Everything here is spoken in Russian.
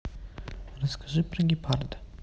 расскажи про гепарда